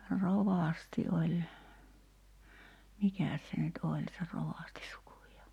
rovasti oli mikäs se nyt oli se rovasti sukujaan